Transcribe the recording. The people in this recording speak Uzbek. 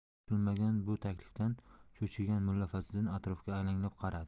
kutilmagan bu taklifdan cho'chigan mulla fazliddin atrofga alanglab qaradi